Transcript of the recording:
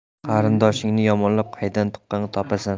qarindoshingni yomonlab qaydan tuqqan topasan